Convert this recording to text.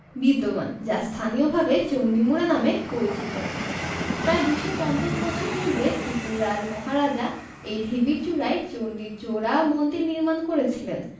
বিদ্যমান যা স্থানীয়ভাবে চণ্ডী মুড়া নামে পরিচিত প্রায় ২৫০ বছর পূর্বে ত্রিপুরার মহারাজা এই ঢিবির চূড়ায় চণ্ডীর জোড়া মন্দির নির্মাণ করেছিলেন